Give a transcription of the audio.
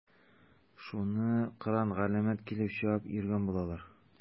Шуны кыран-галәмәт килеп чабып йөргән булалар.